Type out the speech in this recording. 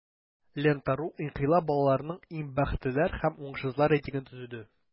"лента.ру" инкыйлаб балаларының иң бәхетлеләр һәм уңышсызлар рейтингын төзеде.